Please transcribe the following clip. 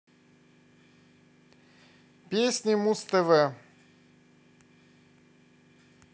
песни муз тв